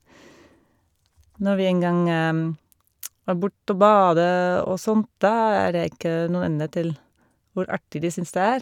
Når vi en gang er bort og bade og sånt, da er det ikke noen ende til hvor artig de syns det er.